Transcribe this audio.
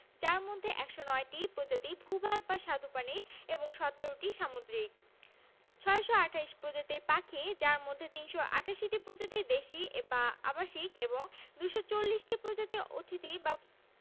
যার মধ্যে ১০৯টি প্রজাতি ভূ ভাগ বা স্বাদুপানির এবং ১৭টি সামুদ্রিক ৬২৮ প্রজাতির পাখি যার মধ্যে ৩৮৮টি প্রজাতি দেশী বা আবাসিক এবং ২৪০ টি প্রজাতি অতিথি